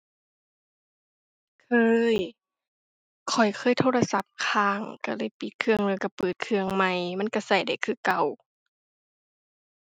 เคย ข้อยเคยโทรศัพท์ค้าง ก็เลยปิดเครื่องแล้วก็เปิดเครื่องใหม่ มันก็ก็ได้คือเก่า